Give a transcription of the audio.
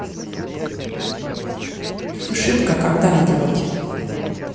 ошибка когда надевать